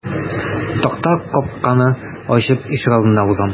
Такта капканы ачып ишегалдына узам.